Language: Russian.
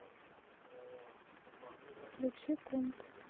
включи комк